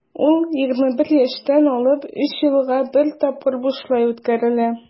Ул 21 яшьтән алып 3 елга бер тапкыр бушлай үткәрелә.